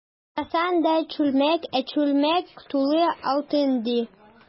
Караса, анда— чүлмәк, ә чүлмәк тулы алтын, ди.